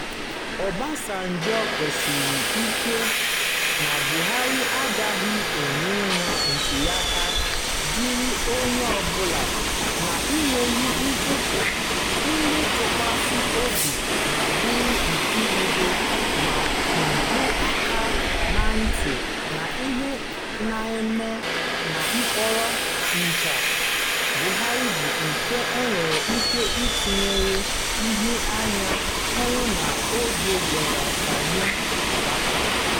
Obasanjo kwusiri ike na Buhari agaghị enyenwu "ntụliaka dịịrị onye ọbụla, na-enweghị ntụpọ, dị ntụkwasị obi ma bụrụ nke udo" ma dọọ aka na ntị na ihe "na-eme n'okpuru nche Buhari bụ nke e nwere ike tụnyere ihe anyị hụrụ n'oge Gen. Sani Abacha.